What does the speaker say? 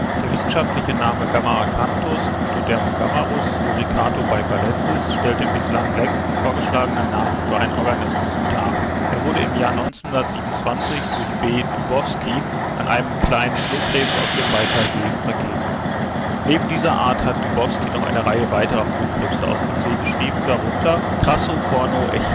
wissenschaftliche Name Gammaracanthuskytodermogammarus loricatobaicalensis stellt den bislang längsten vorgeschlagenen Namen für einen Organismus dar. Er wurde im Jahr 1927 durch B. Dybowski an einen kleinen Flohkrebs aus dem Baikalsee vergeben. Neben dieser Art hat Dybowski noch eine Reihe weiterer Flohkrebse aus dem See beschrieben, darunter Crassocornoechinogammarus crassicornis